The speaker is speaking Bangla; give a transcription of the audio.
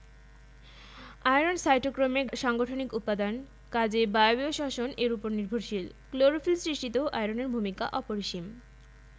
আয়রন সাইটোক্রোমের সাংগঠনিক উপাদান কাজেই বায়বীয় শ্বসন এর উপর নির্ভরশীল ক্লোরোফিল সৃষ্টিতেও আয়রনের ভূমিকা অপরিসীম